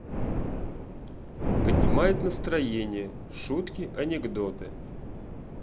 поднимает настроение шутки анекдоты